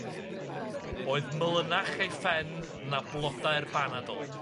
Ie ie ie ie a wedyn? Oedd melynach ei phen na blodau'r banadl.